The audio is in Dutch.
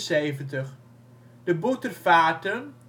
1977 - de Butterfahrten